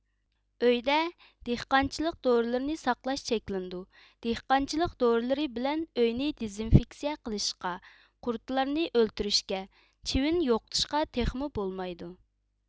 ئۆيدە دېھقانچىلىق دورىلىرىنى ساقلاش چەكلىنىدۇ دېھقانچىلىق دورىلىرى بىلەن ئۆينى دېزىنفىكسىيە قىلىشقا قۇرتلارنى ئۆلتۈرۈشكە چىۋىن يوقىتىشقا تېخىمۇ بولمايدۇ